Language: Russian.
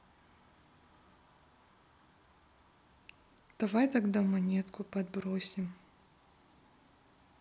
давай тогда монетку подбросим